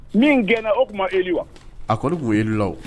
Min gɛnna o tuma e wa a kɔni b' wele la